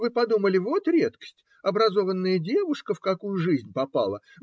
Вы подумали: вот редкость - образованная девушка в какую жизнь попала.